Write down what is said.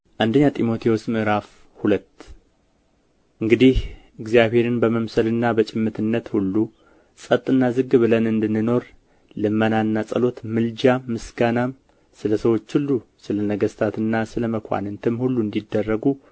አንደኛ ጢሞቴዎስ ምዕራፍ ሁለት እንግዲህ እግዚአብሔርን በመምሰልና በጭምትነት ሁሉ ጸጥና ዝግ ብለን እንድንኖር ልመናና ጸሎት ምልጃም ምስጋናም ስለ ሰዎች ሁሉ ስለ ነገሥታትና ስለ መኳንንትም ሁሉ እንዲደረጉ